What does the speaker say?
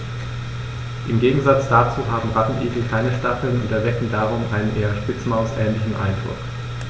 Im Gegensatz dazu haben Rattenigel keine Stacheln und erwecken darum einen eher Spitzmaus-ähnlichen Eindruck.